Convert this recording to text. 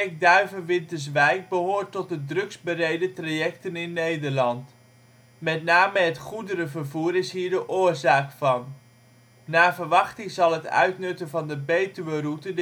Duiven - Winterswijk behoort tot de drukst bereden trajecten in Nederland. Met name het goederenvervoer is hier de oorzaak van. Naar verwachting zal het uitnutten van de Betuweroute